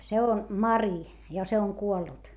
se on Mari ja se on kuollut